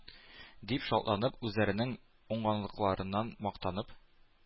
Дип шатланып, үзләренең уңганлыкларыннан мактанып,